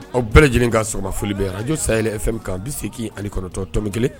Aw bɛɛ lajɛlen ka s sɔgɔma foli bɛ yan radio sahel FM kan 80 ani tɔmi kelen